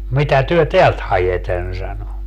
mitä te täältä haette sanoi